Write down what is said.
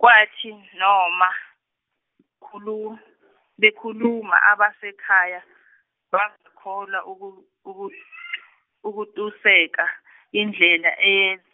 Kwathi noma khulu- bekhuluma abasekhaya , bangakholwa uku- uku-, ukungituseka , indlela eye-